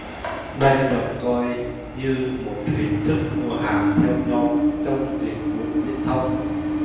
đây được coi như một hình thức mua hàng theo nhóm trong dịch vụ viễn thông